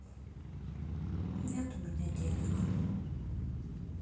нет у меня денег